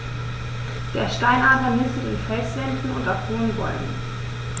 Der Steinadler nistet in Felswänden und auf hohen Bäumen.